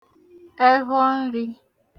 ẹvhọ nrī